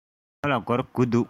ཁོ ལ སྒོར དགུ འདུག